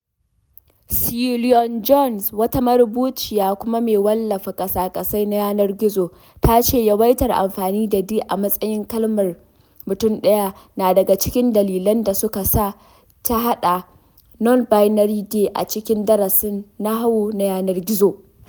Sue Lyon-Jones, wata marubuciya kuma mai wallafa kwasa-kwasai na yanar-gizo, ta ce yawaitar amfani da “they” a matsayin kalmar mutum daya na daga cikin dalilan da suka sa ta haɗa “nonbinary they” a cikin darasin nahawu na yanar gizo.